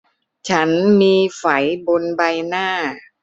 ฉันมีไฝบนใบหน้า